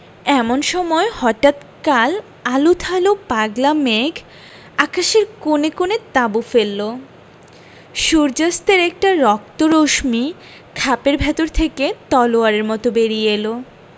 এমন সময় হঠাৎ কাল আলুথালু পাগলা মেঘ আকাশের কোণে কোণে তাঁবু ফেললো সূর্য্যাস্তের একটা রক্ত রশ্মি খাপের ভেতর থেকে তলোয়ারের মত বেরিয়ে এল